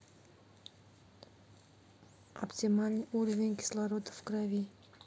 оптимальный уровень кислорода в крови